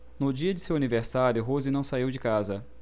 no dia de seu aniversário rose não saiu de casa